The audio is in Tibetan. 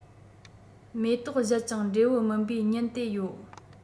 མེ ཏོག བཞད ཅིང འབྲས བུ སྨིན པའི ཉིན དེ ཡོད